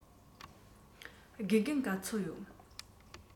དགེ རྒན ག ཚོད ཡོད